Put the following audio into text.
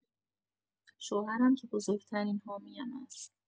شوهرم که بزرگ‌ترین حامی‌ام است.